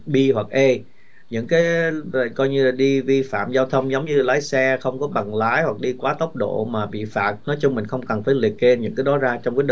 bi hoặc ây những cái để coi như đi vi phạm giao thông giống như lái xe không có bằng lái hoặc đi quá tốc độ mà bị phạt nói chung mình không cần phải liệt kê những cái đó ra trong